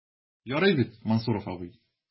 Ярый бит, Мансуров абый?